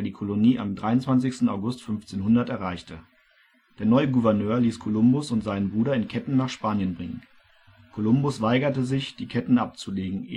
Kolonie am 23. August 1500 erreichte. Der neue Gouverneur ließ Kolumbus und seinen Bruder in Ketten nach Spanien bringen. Kolumbus weigerte sich, die Ketten abzulegen